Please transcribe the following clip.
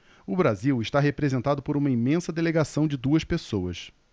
o brasil está representado por uma imensa delegação de duas pessoas